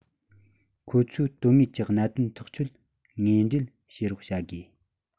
ཁོང ཚོའི དོན དངོས ཀྱི གནད དོན ཐག གཅོད དངོས འབྲེལ བྱེད རོགས བྱ དགོས